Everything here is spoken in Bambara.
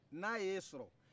n'a y'e sɔrɔ